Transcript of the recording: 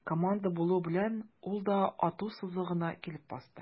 Команда булу белән, ул да ату сызыгына килеп басты.